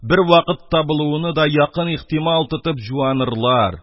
Бервакыт табылуыны да якын ихтимал тотып җуанырлар,